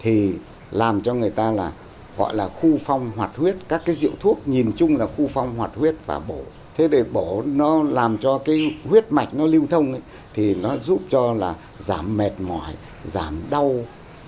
thì làm cho người ta là gọi là khu phong hoạt huyết các cái rượu thuốc nhìn chung là khu phong hoạt huyết và bổ thế để bộ nó làm cho cái huyết mạch nó lưu thông thì nó giúp cho là giảm mệt mỏi giảm đau